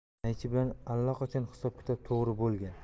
naychi bilan allaqachon hisob kitob to'g'ri bo'lgan